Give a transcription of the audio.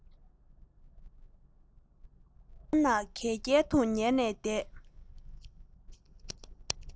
སྤང ཐང ན གན རྐྱལ དུ ཉལ ནས བསྡད